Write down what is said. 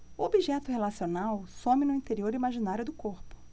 o objeto relacional some no interior imaginário do corpo